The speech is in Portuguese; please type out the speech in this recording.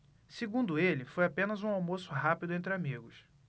segundo ele foi apenas um almoço rápido entre amigos